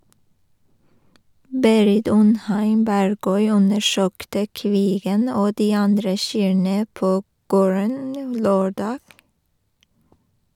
Berit Undheim Bergøy undersøkte kvigen og de andre kyrne på gården lørdag.